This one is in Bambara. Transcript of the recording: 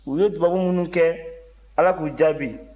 u ye dubabu minnu kɛ ala k'u jaabi